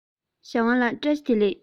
ཞའོ ཝང ལགས བཀྲ ཤིས བདེ ལེགས